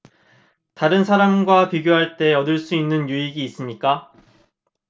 다른 사람과 비교할 때 얻을 수 있는 유익이 있습니까